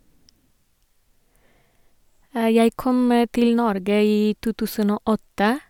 Jeg kom til Norge i to tusen og åtte.